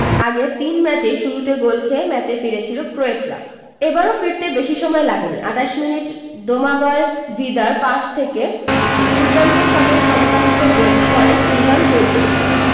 আগের তিন ম্যাচেই শুরুতে গোল খেয়ে ম্যাচে ফিরেছিল ক্রোয়াটরা এবারও ফিরতে বেশি সময় লাগেনি ২৮ মিনিটে দোমাগয় ভিদার পাস থেকে দুর্দান্ত শটে সমতাসূচক গোলটি করেন ইভান পেরিসিচ